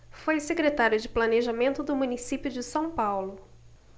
foi secretário de planejamento do município de são paulo